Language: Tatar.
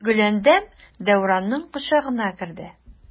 Гөләндәм Дәүранның кочагына керде.